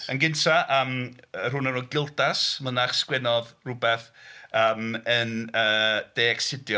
Yn gynta yym yy rhywun o'r enw Gildas, mynach sgwennodd rywbeth yym yn yy De Excidio.